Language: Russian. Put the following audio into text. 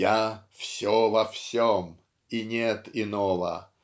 Я -- все во всем, и нет Иного.